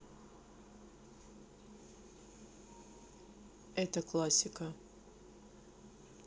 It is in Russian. это классика